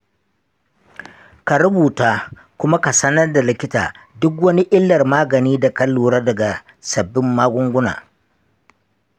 ka rubuta kuma ka sanar da likita duk wani illar magani da ka lura daga sabbin magunguna.